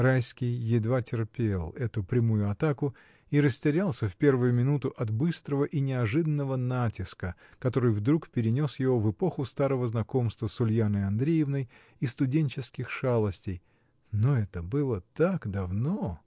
Райский едва терпел эту прямую атаку и растерялся в первую минуту от быстрого и неожиданного натиска, который вдруг перенес его в эпоху старого знакомства с Ульяной Андреевной и студенческих шалостей: но это было так давно!